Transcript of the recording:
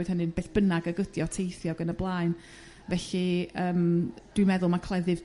boed hynny'n beth bynnag ag ydi o teithio ag yn y blaen felly yrm dwi'n meddwl ma' cleddyf